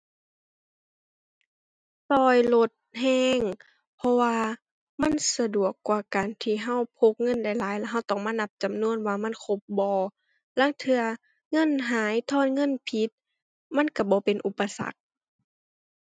ช่วยลดช่วย เพราะว่ามันสะดวกกว่าการที่ช่วยพกเงินหลายหลายแล้วช่วยต้องมานับจำนวนว่ามันครบบ่ ลางเทื่อเงินหาย ทอนเงินผิด มันช่วยบ่เป็นอุปสรรค